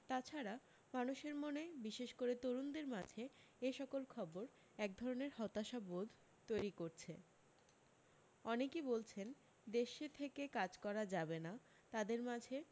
তাছাড়া মানুষের মনে বিশেষ করে তরুণদের মাঝে এসকল খবর এক ধরণের হতাশাবোধ তৈরী করছে অনেকই বলছেন দেশে থেকে কাজ করা যাবে না তাদের মাঝে